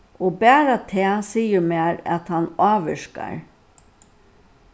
og bara tað sigur mær at hann ávirkar